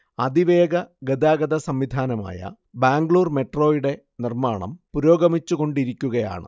അതിവേഗ ഗതാഗത സംവിധാനമായ ബാംഗ്ലൂർ മെട്രോയുടെ നിർമ്മാണം പുരോഗമിച്ചു കൊണ്ടിരിക്കുകയാണ്